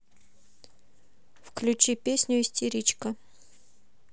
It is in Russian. включи песню истеричка